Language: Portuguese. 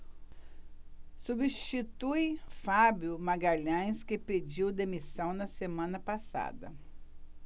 substitui fábio magalhães que pediu demissão na semana passada